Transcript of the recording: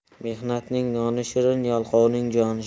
mehnatning noni shirin yalqovning joni shirin